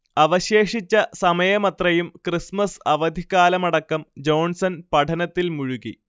അവശേഷിച്ച സമയമത്രയും ക്രിസ്മസ് അവധിക്കാലമടക്കം ജോൺസൺ പഠനത്തിൽ മുഴുകി